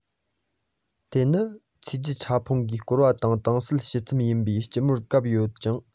དེ ནི ཚོས རྒྱུ ཕྲ ཕུང གིས བསྐོར བ དང དྭངས གསལ ཕྱེད ཙམ ཡིན པའི སྐྱི མོས བཀབ ཡོད ཀྱང